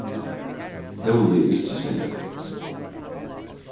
tólið er ikki serliga gott